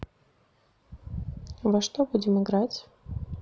во что будем играть